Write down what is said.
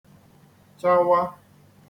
chawa